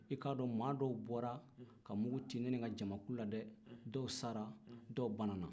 i ka dɔn maa dɔw bɔra ka mugu ci ne ni ka camakulu la dɛ dɔw sara dɔw banana